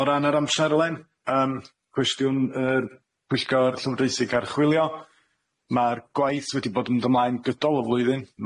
O ran yr amserlen, yym cwestiwn yr pwyllgor llywodraethig archwilio, ma'r gwaith wedi bod mynd ymlaen gydol y flwyddyn